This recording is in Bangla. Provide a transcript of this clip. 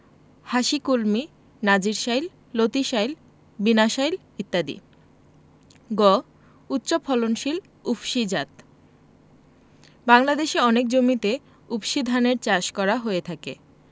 হাসিকলমি নাজির শাইল লতিশাইল বিনাশাইল ইত্যাদি গ উচ্চফলনশীল উফশী জাতঃ বাংলাদেশের অনেক জমিতে উফশী ধানের চাষ করা হয়ে থাকে